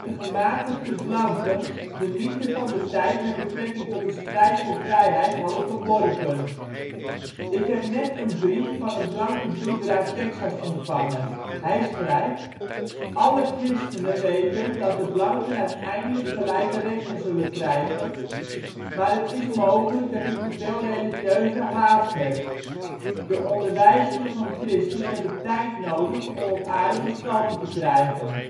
gematigde blanken de mythe van de tijd met betrekking tot de strijd voor vrijheid hadden verworpen. Ik heb net een brief van een blanke broeder uit Texas ontvangen. Hij schrijft: " Alle christenen weten dat de zwarten uiteindelijk gelijke rechten zullen krijgen, maar het is mogelijk dat u teveel religieuze haast hebt. De onderwijzingen van Christus hebben tijd nodig om op aarde gestalte te krijgen